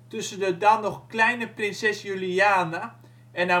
tussen de dan nog kleine prinses Juliana en